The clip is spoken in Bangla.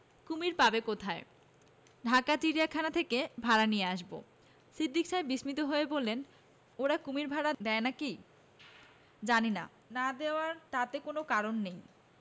কুমীর পাবে কোথায় ঢাকার চিড়িয়াখানা থেকে ভাড়া নিয়ে আসব সিদ্দিক সাহেব বিস্মিত হয়ে বললেন 'ওরা কুমীর ভাড়া দেয় না কি জানি না না দেওয়ার তাে কোন কারণ নেই